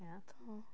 Ia, do.